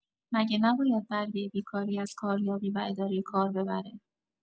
مگه نباید برگه بیکاری از کاریابی و اداره کار ببره؟!